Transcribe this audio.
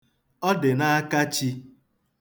Ọ dị n'aka Chi.